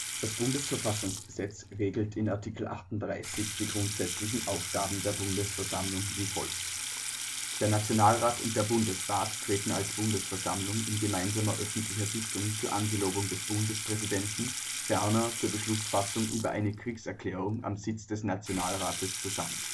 Das Bundes-Verfassungsgesetz regelt in Art. 38 die grundsätzlichen Aufgaben der Bundesversammlung wie folgt: „ Der Nationalrat und der Bundesrat treten als Bundesversammlung in gemeinsamer öffentlicher Sitzung zur Angelobung des Bundespräsidenten, ferner zur Beschlussfassung über eine Kriegserklärung am Sitz des Nationalrates zusammen